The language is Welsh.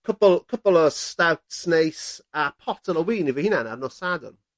cwpwl cwpwl o stouts neis potel o win i fy hunan ar nos Sadwrn.